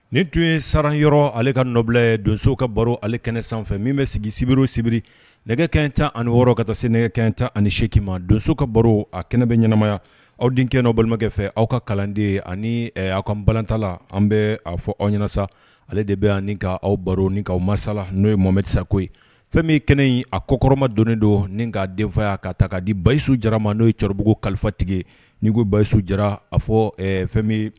Nin tun ye sara yɔrɔ ale ka n nɔbila ye donso ka baro ale kɛnɛ sanfɛ min bɛ sigi sibiri sibiri nɛgɛ kɛ tan ani wɔɔrɔ ka taa se nɛgɛ kɛ tan ani seema donso ka baro a kɛnɛ bɛ ɲɛnaɛnɛmaya aw denkɛ kɛ balimakɛ fɛ aw ka kalanden ani aw ka banta la an bɛ a fɔ aw ɲɛna ale de bɛ ka aw baro ni' masasala n'o ye momedsako ye fɛn min kɛnɛ in a kɔkɔrɔma donnen don nin kaa denfa' ka ta ka di basiyisu jara ma n'o ye cɛkɔrɔbabugu kalifa tigɛ ni ko basiyisu jara a fɔ fɛn